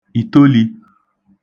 ìtolī